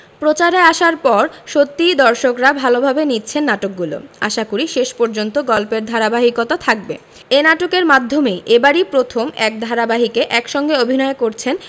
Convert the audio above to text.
প্রচারে আসার পর সত্যিই দর্শকরা ভালোভাবে নিচ্ছেন নাটকগুলো আশাকরি শেষ পর্যন্ত গল্পের ধারাবাহিকতা থাকবে এ নাটকের মাধ্যমেই এবারই প্রথম এক ধারাবাহিকে একসঙ্গে অভিনয় করছেন